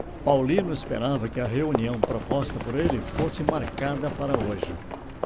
paulino esperava que a reunião proposta por ele fosse marcada para hoje